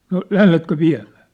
no lähdetkö viemään